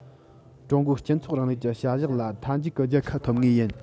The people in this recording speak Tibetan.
ཀྲུང གོའི སྤྱི ཚོགས རིང ལུགས ཀྱི བྱ གཞག ལ མཐའ མཇུག གི རྒྱལ ཁ འཐོབ ངེས ཡིན